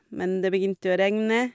Men det begynte å regne.